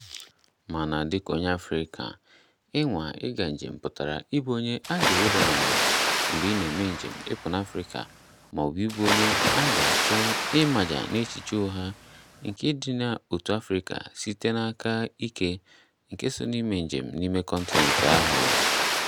Mana, dịka onye Afrịka, ịnwa ịga njem pụtara ịbụ onye a ga-eweda n'ala mgbe ị na-eme njem ịpụ n'Afrịka — mọọbụ ịbụ onye a ga-achọ ịmaja n'echiche ụgha nke ịdị n'otu Afrịka site n'aka ike nke so ime njem n'ime kọntinent ahụ.